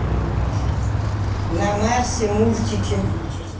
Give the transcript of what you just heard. на марсе мультики